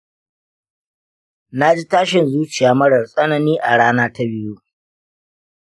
naji tashin zuciya marar tsanani a rana ta biyu.